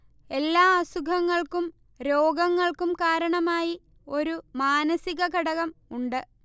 എല്ലാ അസുഖങ്ങൾക്കും രോഗങ്ങൾക്കും കാരണമായി ഒരു മാനസികഘടകം ഉണ്ട്